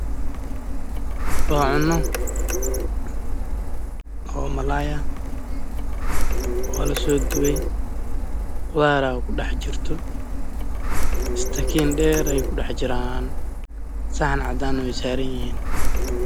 Waa cuno malaay ah oo la soodubay